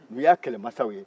o y'a kɛlɛmansaw ye